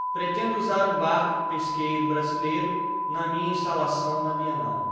pretendo usar um barco pesqueiro brasileiro na minha instalação na bienal